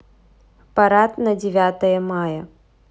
парад на девятое мая